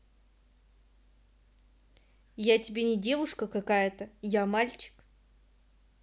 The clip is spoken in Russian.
я тебе не девушка какая то я мальчик